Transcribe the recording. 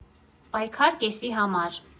Պայքար կեսի համար։